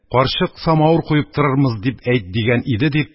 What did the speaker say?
Карчык, самавыр куеп торырмыз, дип әйт дигән иде», – дип,